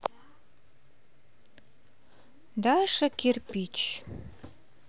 даша кирпич